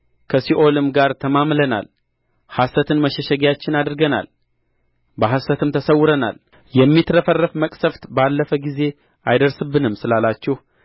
ከሲኦልም ጋር ተማምለናል ሐሰትን መሸሸጊያችን አድርገናልና በሐሰትም ተሰውረናልና የሚትረፈረፍ መቅሠፍት ባለፈ ጊዜ አይደርስብንም ስላላችሁ